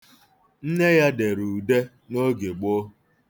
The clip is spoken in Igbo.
Nna ya dere ude n'oge gboo.